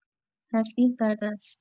تسبیح در دست